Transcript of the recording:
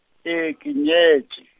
ee ke nyetše.